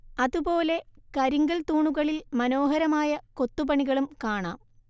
അതുപോലെ കരിങ്കൽ തൂണുകളിൽ മനോഹരമായ കൊത്തുപണികളും കാണാം